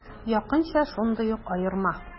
Якынча шундый ук аерма.